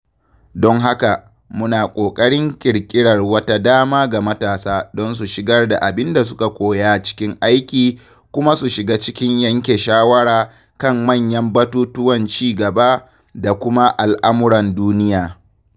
Don haka, muna ƙoƙarin ƙirƙirar wata dama ga matasa don su shigar da abin da suka koya cikin aiki kuma su shiga cikin yanke shawara kan manyan batutuwan ci gaba da kuma al'amuran duniya.